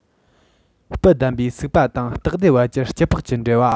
སྤུ ལྡན པའི སུག པ དང ལྟག སྡེར བར གྱི སྐྱི པགས ཀྱི འབྲེལ བ